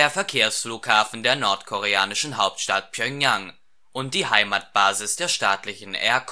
Verkehrsflughafen der nordkoreanischen Hauptstadt Pjöngjang und die Heimatbasis der staatlichen Air